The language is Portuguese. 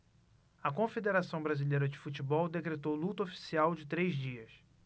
a confederação brasileira de futebol decretou luto oficial de três dias